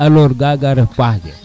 alors gaga ref paax ke